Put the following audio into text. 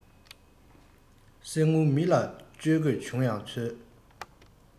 གསེར དངུལ མི ལ བཅོལ དགོས བྱུང ཡང ཆོལ